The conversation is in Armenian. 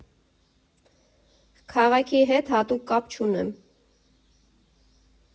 Քաղաքի հետ հատուկ կապ չունեմ։